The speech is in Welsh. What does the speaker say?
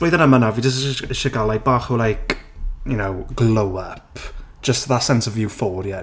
Blwyddyn yma nawr, fi jyst is- isie cael like bach o like, you know? Glow up. Just that sense of euphoria.